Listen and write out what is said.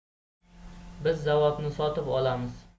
biz zavodni sotib olamiz